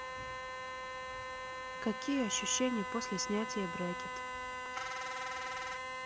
какие ощущения после снятия брекет